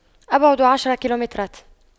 أبعد عشر كيلومترات